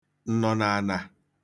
ǹnọ̀nàànà